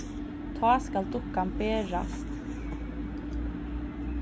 tá skal dukkan berast